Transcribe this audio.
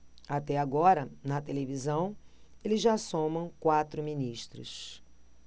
até agora na televisão eles já somam quatro ministros